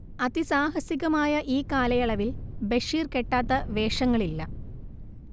അതിസാഹസികമായ ഈ കാലയളവിൽ ബഷീർ കെട്ടാത്ത വേഷങ്ങളില്ല